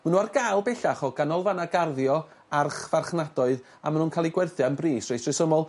Ma' n'w ar ga'l bellach o ganolfanna garddio archfarchnadoedd a ma' nw'n ca'l 'u gwerthi am bris reit resymol.